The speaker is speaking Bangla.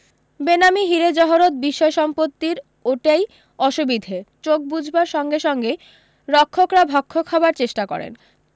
বেনামি হীরে জহরত বিষয় সম্পত্তির ওটাই অসুবিধে চোখ বুঝবার সঙ্গে সঙ্গেই রক্ষকরা ভক্ষক হবার চেষ্টা করেন